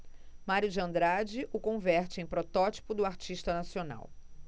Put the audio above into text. mário de andrade o converte em protótipo do artista nacional